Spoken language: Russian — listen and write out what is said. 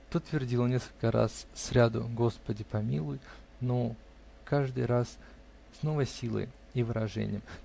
То твердил он несколько раз сряду: Господи помилуй, но каждый раз с новой силой и выражением